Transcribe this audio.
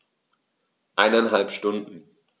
Eineinhalb Stunden